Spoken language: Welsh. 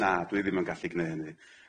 Na, dwi ddim yn gallu gneu' hynny.